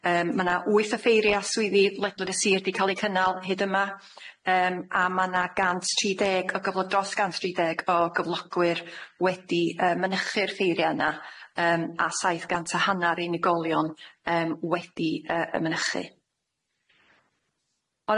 Yym ma' 'na wyth o ffeiria swyddi ledled y sir 'di ca'l 'i cynnal hyd yma yym a ma' 'na gant tri deg o gyflo- dros gant tri deg o gyflogwyr wedi yy mynychu'r ffeiria yna yym a saith gant a hannar unigolion yym wedi yy y mynychu.